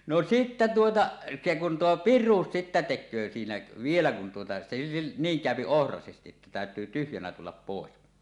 no sitten tuota se kun tuo piruus sitten tekee siinä vielä kun tuota se niin käy ohraisesti että täytyy tyhjänä tulla pois